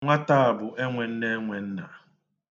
Nwata a bụ enwēnneenwēnnà.